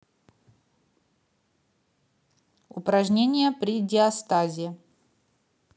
упражнения при диастазе